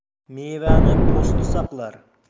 mevani po'sti saqlar